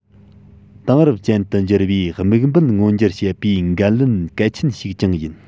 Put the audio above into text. དེང རབས ཅན དུ འགྱུར བའི དམིགས འབེན མངོན འགྱུར བྱེད པའི འགན ལེན གལ ཆེན ཞིག ཀྱང ཡིན